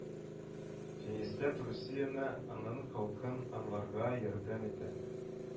Җанисәп Русияне, аның халкын аңларга ярдәм итә